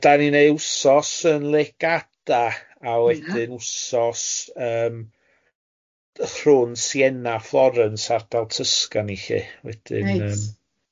Yy dan ni'n wneud wsos yn Llegada. A wedyn... Ia. ...wsos yym rhwng Sienna, Florence a Ardal Tysgan i lle wedyn ni ymm. Reit.